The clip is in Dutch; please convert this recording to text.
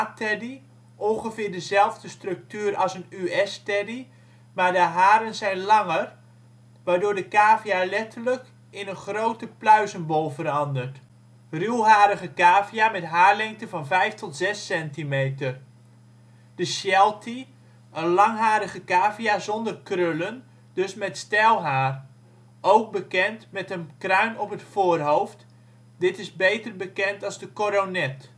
CH-teddy: dezelfde structuur als een US-Teddy, maar de haren zijn langer waardoor de cavia letterlijk in een grote pluizenbol verandert. Ruwharige cavia met haarlengte van 5 tot 6 cm. De sheltie: een langharige cavia zonder krullen, dus met steil haar. Ook bekend met een kruin op het voorhoofd, dit is beter bekend als de coronet